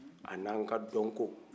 ani an ka dɔnko